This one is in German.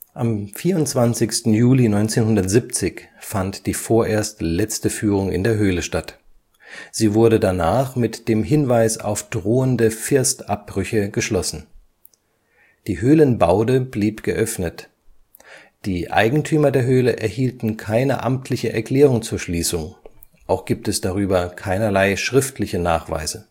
Am 24. Juli 1970 fand die vorerst letzte Führung in der Höhle statt. Sie wurde danach mit dem Hinweis auf drohende Firstabbrüche geschlossen. Die Höhlenbaude blieb geöffnet. Die Eigentümer der Höhle erhielten keine amtliche Erklärung zur Schließung, auch gibt es darüber keinerlei schriftliche Nachweise